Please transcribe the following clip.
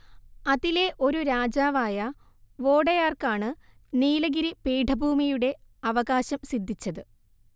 അതിലെ ഒരു രാജാവായ വോഡെയാർക്കാണ് നീലഗിരി പീഠഭൂമിയുടെ അവകാശം സിദ്ധിച്ചത്